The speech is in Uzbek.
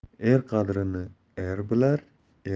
er qadrini er bilar